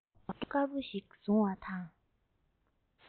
སྐྱོགས དཀར པོ ཞིག བཟུང བ དང